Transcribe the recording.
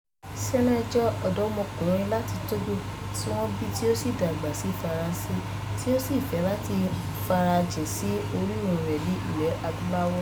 Sena jẹ́ ọ̀dọ́mọkùnrin láti Togo, tí wọ́n bí tí ó sì dàgbà ní France, tí ó sì ń fẹ́ láti ní ìfarajìn sí orírun rẹ̀ ní ilẹ̀ Adúláwọ̀.